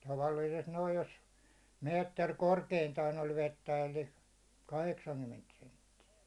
tavallisesti noin jos metri korkeintaan oli vettä eli kahdeksankymmentä senttiä